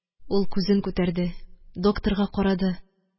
Ул күзен күтәрде, докторга карады: